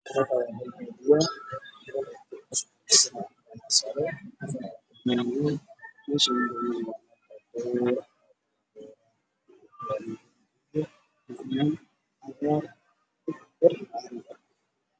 Meshan waxaa ka muuqda labo geel ah